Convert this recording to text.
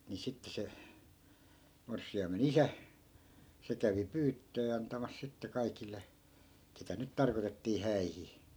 niin sitten se morsiamen isä se kävi pyyttöä antamassa sitten kaikille ketä nyt tarkoitettiin häihin